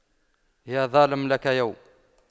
يا ظالم لك يوم